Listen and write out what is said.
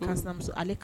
ale